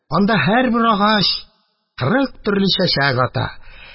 Анда һәрбер агач кырык төрле чәчәк ата.